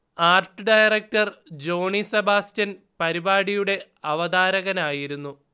art director Johnny Sebastian പരിപാടിയുടെ അവതാരകനായിരുന്നു